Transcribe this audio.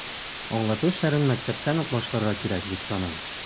Аңлату эшләрен мәктәптән үк башларга кирәк, дип саныйм.